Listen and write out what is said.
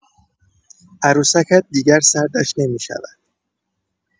عروسکت دیگر سردش نمی‌شود.